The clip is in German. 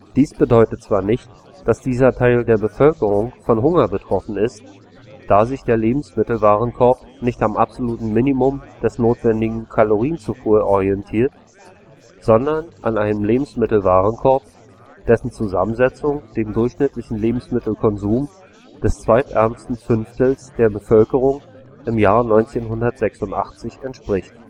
Dies bedeutet zwar nicht, dass dieser Teil der Bevölkerung von Hunger betroffen ist, da sich der Lebensmittelwarenkorb nicht am absoluten Minimum der notwendigen Kalorienzufuhr orientiert, sondern an einem Lebensmittelwarenkorb, dessen Zusammensetzung dem durchschnittlichen Lebensmittelkonsum des zweitärmsten Fünftels der Bevölkerung im Jahr 1986 entspricht